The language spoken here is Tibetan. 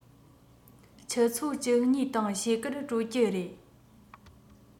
ཆུ ཚོད བཅུ གཉིས དང ཕྱེད ཀར གྲོལ གྱི རེད